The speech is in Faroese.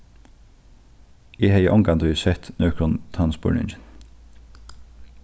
eg hevði ongantíð sett nøkrum tann spurningin